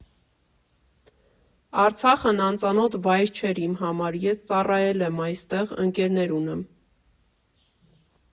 Արցախն անծանոթ վայր չէր իմ համար, ես ծառայել եմ այստեղ, ընկերներ ունեմ։